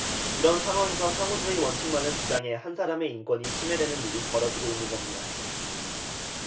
이런 상황에서 상호주의 원칙만을 주장해 한 사람의 인권이 침해되는 일이 벌어지고 있는 겁니다